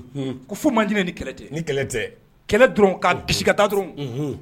Ko fo mancinin ni kɛlɛ tɛ ni kɛlɛ tɛ kɛlɛ dɔrɔn ka gese ka taa dɔrɔn